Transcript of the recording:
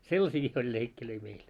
sellaisiakin oli leikkejä meillä